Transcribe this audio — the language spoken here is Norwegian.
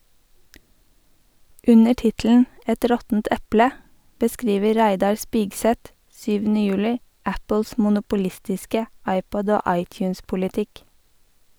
Under tittelen "Et råttent eple" beskriver Reidar Spigseth syvende juli Apples monopolistiske iPod- og iTunes-politikk.